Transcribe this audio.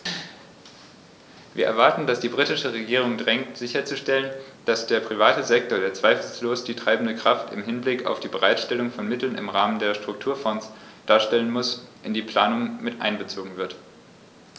Wir erwarten, dass sie die britische Regierung drängt sicherzustellen, dass der private Sektor, der zweifellos die treibende Kraft im Hinblick auf die Bereitstellung von Mitteln im Rahmen der Strukturfonds darstellen muss, in die Planung einbezogen wird.